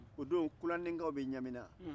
o don kulanikaw bɛ ɲamina